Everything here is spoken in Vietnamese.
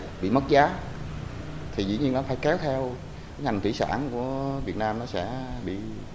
mất giá kéo theo ngành thủy sản của việt nam sẽ bị